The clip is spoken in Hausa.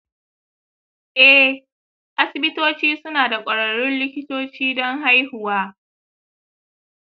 eh, asibitoci suna da ƙwararrun likitoci don haihuwa.